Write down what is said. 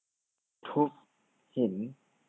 ทุบหิน